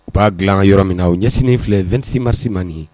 U b'a bila yɔrɔ min na u ɲɛssinnen filɛ2si marisi man